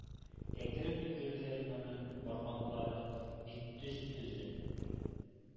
Кәкре түгелдер моның бармаклары — бик төз төзен,